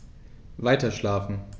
Weiterschlafen.